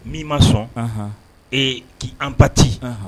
Min ma sɔn k'i an bati